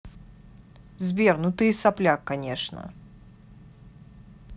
сбер ну ты и сопляк конечно